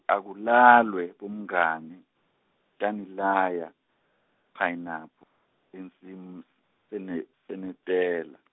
Akulalwe, bomngami, tanilaya, phayinaphu, ensim-, sene- senetela.